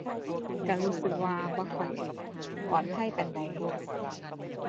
ก็รู้สึกว่าบ่ค่อยปลอดภัยปานใด